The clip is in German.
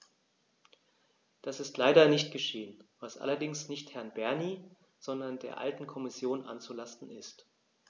Das ist leider nicht geschehen, was allerdings nicht Herrn Bernie, sondern der alten Kommission anzulasten ist.